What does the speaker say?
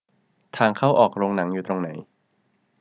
ทางเข้าออกโรงหนังอยู่ตรงไหน